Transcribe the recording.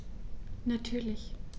Natürlich.